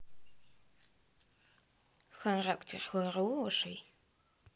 характер хороший